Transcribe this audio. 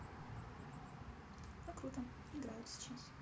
ну круто играют сейчас